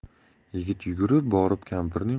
yigit yugurib borib kampirning